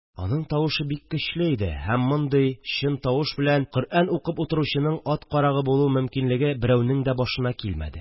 Аның тавышы бик көчле иде һәм мондый чын тавыш белән коръән укып утыручының ат карагы булу мөмкинлеге берәүнең дә башына килмәде